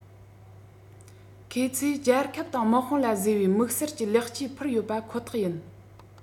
ཁོ ཚོས རྒྱལ ཁབ དང དམག དཔུང ལ བཟོས པའི དམིགས བསལ གྱི ལེགས སྐྱེས ཕུལ ཡོད པ ཁོ ཐག ཡིན